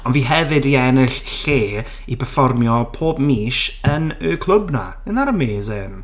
Ond fi hefyd i ennill lle i pefformio pob mis yn y clwb 'na. Isn't that amazing?